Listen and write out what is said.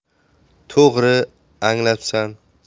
to'g'ri anglabsan